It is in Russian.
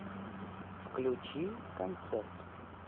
включи концерт